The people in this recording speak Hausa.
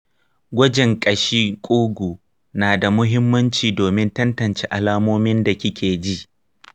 gwajin kashin kugu nada mahimmanci donin tantance alamomin da kikeji.